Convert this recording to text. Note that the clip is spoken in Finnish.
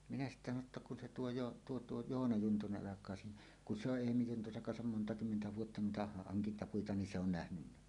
minä sitten sanoin jotta kun se tuo - tuo tuo Joona Juntunen alkaa siinä kun se on Eemi Juntusen kanssa monta kymmentä vuotta noita hankintapuita niin se on nähnyt